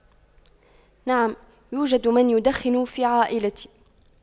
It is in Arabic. نعم يوجد من يدخن في عائلتي